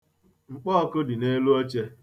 Mkpọọkụ dị n'elu oche.